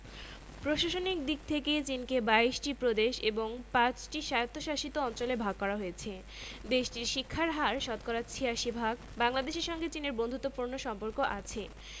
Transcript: প্রশাসনিক দিক থেকে চিনকে ২২ টি প্রদেশ ও ৫ টি স্বায়ত্তশাসিত অঞ্চলে ভাগ করা হয়েছে দেশটির শিক্ষার হার শতকরা ৮৬ ভাগ বাংলাদেশের সঙ্গে চীনের বন্ধুত্বপূর্ণ সম্পর্ক আছে